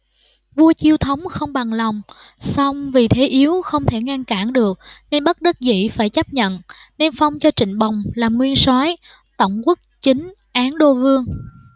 vua chiêu thống không bằng lòng song vì thế yếu không thể ngăn cản được nên bất đắc dĩ phải chấp nhận nên phong cho trịnh bồng làm nguyên soái tổng quốc chính án đô vương